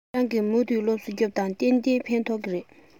ཁྱེད རང གིས མུ མཐུད སློབ གསོ རྒྱོབས དང གཏན གཏན ཕན ཐོགས ཀྱི རེད